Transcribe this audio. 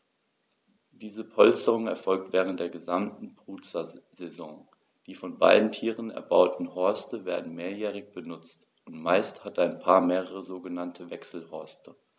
Diese Polsterung erfolgt während der gesamten Brutsaison. Die von beiden Tieren erbauten Horste werden mehrjährig benutzt, und meist hat ein Paar mehrere sogenannte Wechselhorste.